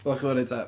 Welai chi fory, ta.